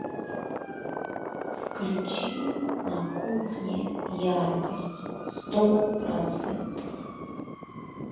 включи на кухне яркость сто процентов